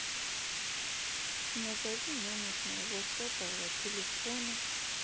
назови номер моего сотового телефона